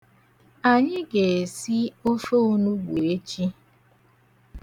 Anyị ga-esi ofe onugbu echi.